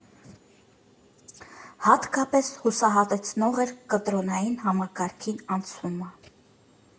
Հատկապես հուսահատեցնող էր կտրոնային համակարգին անցումը։